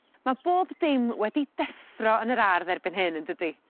ma' bob dim wedi deffro yn yr ardd erbyn hyn yndydi?